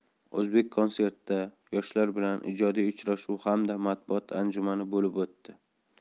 o'zbekkonsert da yoshlar bilan ijodiy uchrashuv hamda matbuot anjumani bo'lib o'tdi